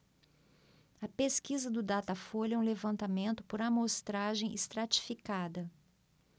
a pesquisa do datafolha é um levantamento por amostragem estratificada